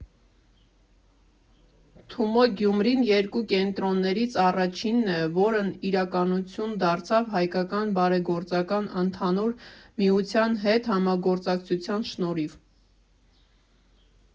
Թումո Գյումրին երկու կենտրոններից առաջինն է, որն իրականություն դարձավ Հայկական բարեգործական ընդհանուր միության հետ համագործակցության շնորհիվ։